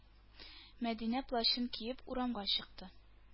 Мәдинә плащын киеп урамга чыкты.